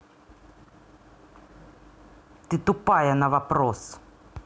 ты тупая на вопрос